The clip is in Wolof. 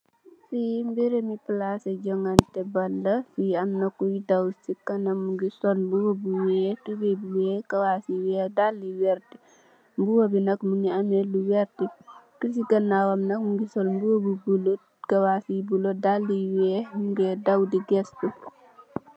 Fee mereme plase juganteh bal la fee amna koye daw se kanam muge sol muba bu weex tubaye bu weex kawass yu weex dalle yu werte muba be nak muge ameh lu werte kuse ganawam nak muge sol muba bu bulo kawass yu bulo dalle yu weex muge daw de gistu.